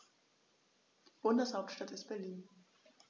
Bundeshauptstadt ist Berlin.